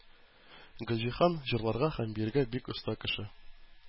Гөлҗиһан җырларга һәм биергә бик оста кеше.